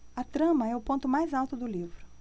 a trama é o ponto mais alto do livro